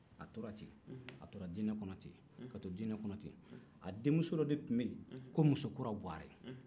a tora ten a tora dinɛ kɔnɔ ten a denmuso dɔ de tun bɛ yen ko musokura buwarɛ